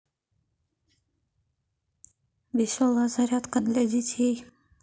веселая зарядка для детей